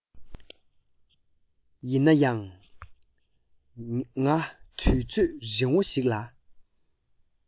ཡིན ན ཡང ང དུས ཚོད རིང བོ ཞིག ལ